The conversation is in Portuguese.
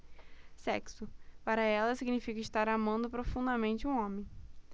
sexo para ela significa estar amando profundamente um homem